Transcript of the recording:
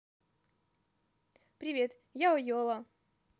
привет я йола